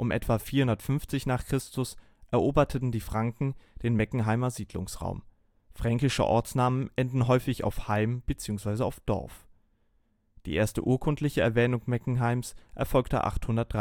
etwa 450 n. Chr. eroberten die Franken den Meckenheimer Siedlungsraum. Fränkische Ortsnamen enden häufig auf - heim bzw. auf - dorf. Die erste urkundliche Erwähnung Meckenheims erfolgte 853